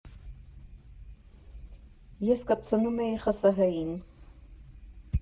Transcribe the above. Ու կպցնում էի ՀԽՍՀ֊ին։